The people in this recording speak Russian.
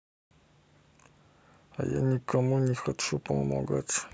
а я никому не хочу помогать